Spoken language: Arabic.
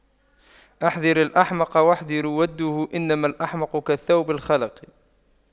احذر الأحمق واحذر وُدَّهُ إنما الأحمق كالثوب الْخَلَق